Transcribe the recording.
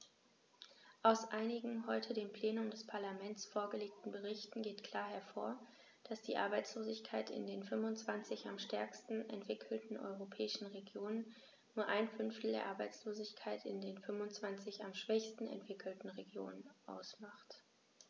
Aus einigen heute dem Plenum des Parlaments vorgelegten Berichten geht klar hervor, dass die Arbeitslosigkeit in den 25 am stärksten entwickelten europäischen Regionen nur ein Fünftel der Arbeitslosigkeit in den 25 am schwächsten entwickelten Regionen ausmacht.